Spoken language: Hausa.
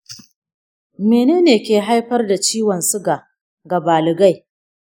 mene ne ke haifar da ciwon suga ga baligai?